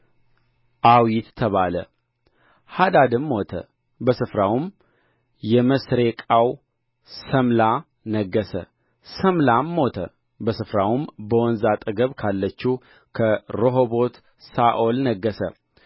ዓዊት ተባለ ሃዳድም ሞተ በስፍራውም የመሥሬቃው ሠምላ ነገሠ ሠምላም ሞተ በስፍራውም በወንዝ አጠገብ ካለችው ከርሆቦት ሳኦል ነገሠ